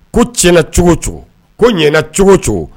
Ko tiɲɛna cogo cogo ko ɲɛna cogo cogo